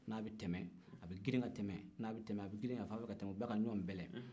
n'a bɛ tɛmɛ a bɛ girin ka tɛmɛ n'a bɛ tɛmɛ a bɛ girin ka tɛmɛ u bɛka ɲɔgɔn bɛlen